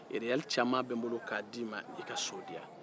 iriyali caman bɛ n bolo k'a d'i ma i ka so di yan